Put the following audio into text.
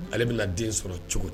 Ale bɛna den sɔrɔ cogo di